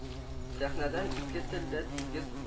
Сәхнәдән ике тел дә тигез